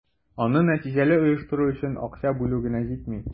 Аны нәтиҗәле оештыру өчен акча бүлү генә җитми.